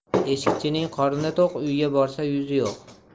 eshikchining qorni to'q uyga borsa yuzi yo'q